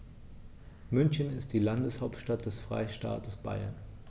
München ist die Landeshauptstadt des Freistaates Bayern.